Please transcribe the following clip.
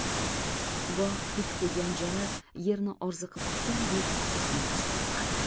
goh tik quygan jala yerni orziqib kutgandek ustma ust o'pardi